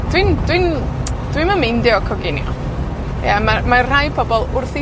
Dwi'n, dwi'n, dwi'm yn meindio coginio. Ie, ma', mae rhai pobol wrth 'u